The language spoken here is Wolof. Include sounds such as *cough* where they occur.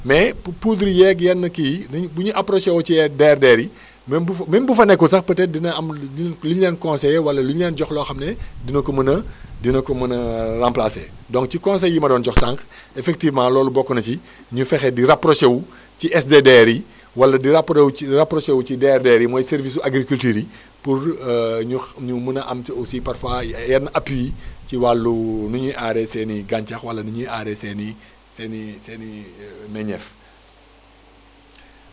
mais pou poudre yeeg yenn kii yi nañu bu ñu approché woo ci *hesitation* DRDR yi *breath* mëme bu fa même bu fa nekkul sax peut être dina am lu énu leen conseillé wala lu ñu leen jox loo xam ne dina ko mën a dina ko mën a *hesitation* remplacé donc ci conseils yi ma doon jox sànq effectivement loolu bokk na si ñu fexe di rapproché wu ci SDDR yi wala di rappro wu rapproché wu ci DRDR yi mooy service su agricultures yi *breath* pour *hesitation* ñu xa ñu mën a am ci aussi parfopis yenn appui yi ci wàllu *hesitation* ni ñuy aaree seen i gàncax wala ni ñuy aaree seen i seen i *hesitation* meññeef